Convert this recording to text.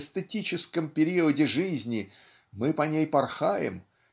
эстетическом периоде жизни мы по ней порхаем